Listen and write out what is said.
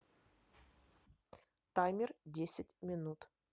таймер десять минут